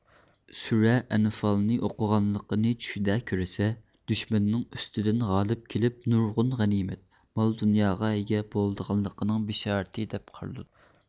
سۈرە ئەنفالنى ئوقۇغانلىقىنى چۈشىدە كۆرسە دۈشمەننىڭ ئۈستىدىن غالىپ كېلىپ نۇرغۇن غەنىمەت مال دۇنياغا ئىگە بولىدىغانلىقىنىڭ بىشارىتى دەپ قارىلىدۇ